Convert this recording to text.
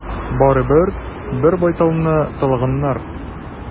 Барыбер, бер байталны талаганнар.